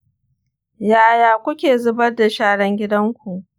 yaya kuke zubar da sharan gidan ku?